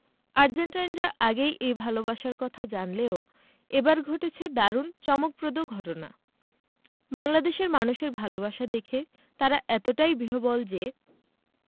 আর্জেন্টাইনরা আগেই এই ভালোবাসার কথা জানলেও এবার ঘটেছে দারুণ চমকপ্রদ ঘটনা বাংলাদেশের মানুষের ভালোবাসা দেখে তারা এতটাই বিহ্বল যে